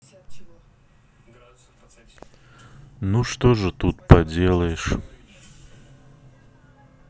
ну что же тут поделаешь